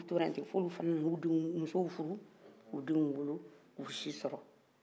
olu tora ten f'u fana musow fuuru ka denw wolo k'u siw sɔrɔ